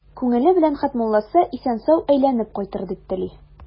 Күңеле белән Хәтмулласы исән-сау әйләнеп кайтыр дип тели.